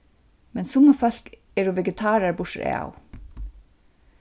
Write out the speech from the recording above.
men summi fólk eru vegetarar burturav